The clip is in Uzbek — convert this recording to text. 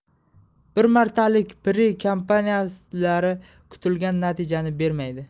bir martalik pr kampaniyalar kutilgan natijani bermaydi